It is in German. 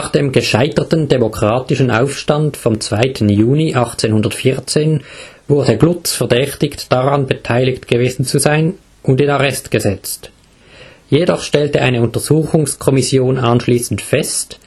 dem gescheiterten demokratischen Aufstand vom 2. Juni 1814 wurde Glutz verdächtigt, daran beteiligt gewesen zu sein, und in Arrest gesetzt. Jedoch stellte eine Untersuchungskommission anschliessend fest